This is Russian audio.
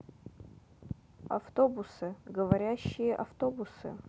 автобусы говорящие автобусы